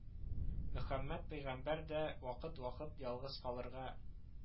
Мөхәммәт пөйгамбәр дә вакыт-вакыт ялгыз калырга